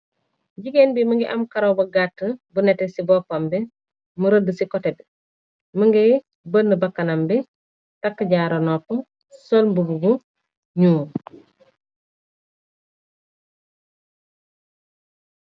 Jigéen bi mëngay am karaw ba gàtt bu nete ci boppam bi mu rëdd ci koté bi mëngay bënn bakkanam bi takk jaara nopp sol bububu ñyul.